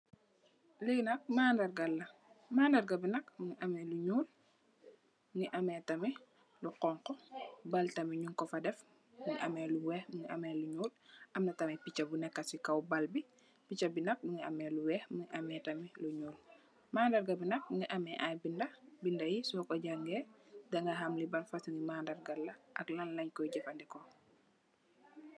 Lii nak mandarga la, mu ngi amee lu ñuul, mu amee tamit, ñonxo, si kow.. mandarga bi nak, mu ngi am ay bindë, bindë yi soo ko jangee, dangaa xam ban fasoñ mandarga la, ak lan lañ koo jafëndeko